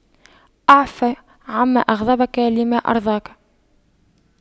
اعف عما أغضبك لما أرضاك